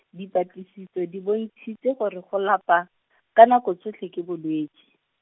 dipatlisiso di bontshitse gore go lapa , ka nako tsotlhe ke bolwetsi.